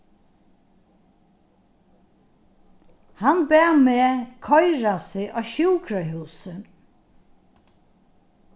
hann bað meg koyra seg á sjúkrahúsið